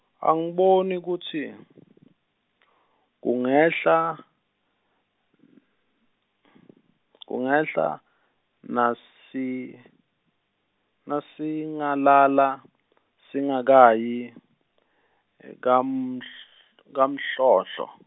angiboni kutsi bungehla bungehla, nasi- nasingalala singakayi kaMhl- kaMhlohlo.